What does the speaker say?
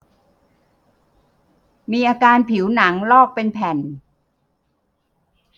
มีอาการผิวหนังลอกเป็นแผ่น